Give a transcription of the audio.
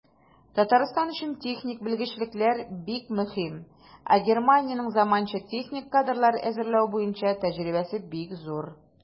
Татарстан өчен техник белгечлекләр бик мөһим, ә Германиянең заманча техник кадрлар әзерләү буенча тәҗрибәсе бик зур.